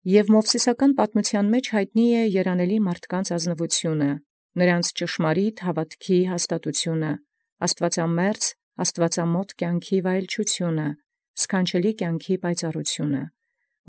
Եւ ի մովսիսական պատմութեան յայտնի է երանելեաց արանցն ազնուականութիւն, ճշմարտութեան հաւատոցն հաստատութիւն, աստուածամերձ աստուածամուխ կենացն վայելչութիւն, սքանչելական կենացն պայծառութիւն։